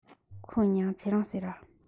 ཁོའི མྱིང ང ཚེ རིང ཟེར ར